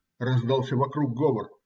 - раздался вокруг говор.